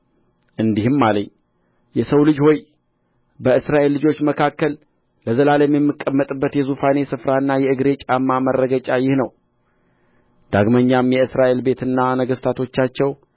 እንዲህም አለኝ የሰው ልጅ ሆይ በእስራኤል ልጆች መካከል ለዘላለም የምቀመጥበት የዙፋኔ ስፍራና የእግሬ ጫማ መረገጫ ይህ ነው ዳግመኛም የእስራኤል ቤትና ነገሥታቶቻቸው